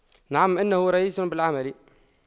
نعم انه رئيس بالعمل